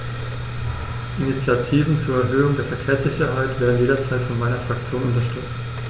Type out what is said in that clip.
Initiativen zur Erhöhung der Verkehrssicherheit werden jederzeit von meiner Fraktion unterstützt.